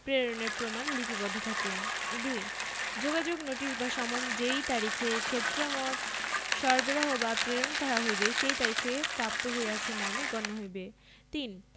প্রেরণের প্রমাণ লিপিবদ্ধ থাকে ২ যোগাযোগ নোটিশ বা সমন যেই তারিখে ক্ষেত্রমত সরবরাহ বা প্রেরণ করা হইবে সেই তারিখে প্রাপ্ত হইয়াছে মর্মে গণ্য হইবে ৩